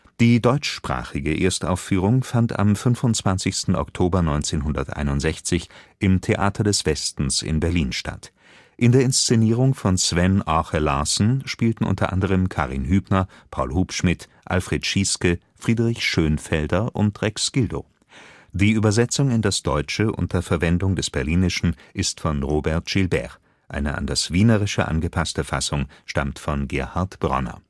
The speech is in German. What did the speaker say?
Die deutschsprachige Erstaufführung fand am 25. Oktober 1961 im Theater des Westens in Berlin statt. In der Inszenierung von Sven Aage Larsen spielten u. a. Karin Hübner, Paul Hubschmid, Alfred Schieske, Friedrich Schoenfelder und Rex Gildo. Die Übersetzung in das Deutsche unter Verwendung des Berlinischen ist von Robert Gilbert, eine an das Wienerische angepasste Fassung stammt von Gerhard Bronner